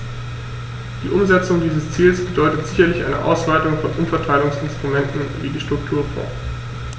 Die Umsetzung dieses Ziels bedeutet sicherlich eine Ausweitung von Umverteilungsinstrumenten wie die Strukturfonds.